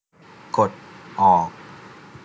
กดออก